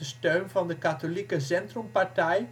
steun van de katholieke Zentrumpartei